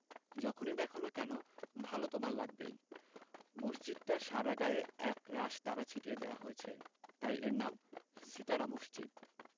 যখনি দ্যাখো না কেন ভালো তোমার লাগবেই মসজিদটার সারা গায়ে একরাশ তারা ছিটিয়ে দেয়া হয়েছে তাই এর নাম সিতারা মসজিদ